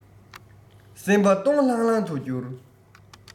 སེམས པ སྟོང ལྷང ལྷང དུ གྱུར